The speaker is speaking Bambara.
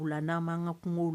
U n'a'an ka kungo la